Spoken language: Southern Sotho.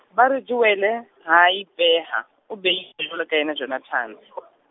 ba re Joele ha a ipeha, o jwalo ka yena Jonathane .